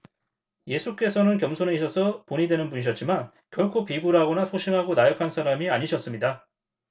예수께서는 겸손에 있어서 본이 되는 분이셨지만 결코 비굴하거나 소심하고 나약한 사람이 아니셨습니다